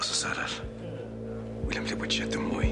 dim mwy.